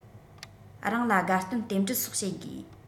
རང ལ དགའ སྟོན རྟེན འབྲེལ སོགས བྱེད དགོས